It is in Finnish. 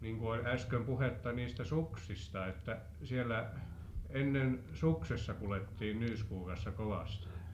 niin kuin oli äsken puhetta niistä suksista että siellä ennen suksessa kuljettiin Nyyskogassa kovasti